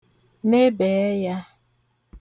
nebè ẹyā